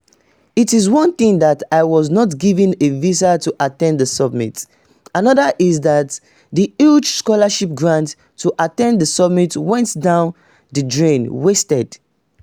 It is one thing that I was not given a visa to attend the summit, another is that the huge scholarship grant to attend the summit went down the drain, wasted.